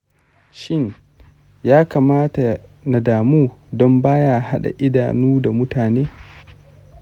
shin ya kamata na damu don baya haɗa idanu da mutane